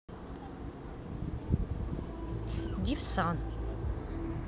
иди в san